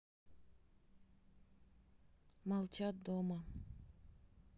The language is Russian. молчат дома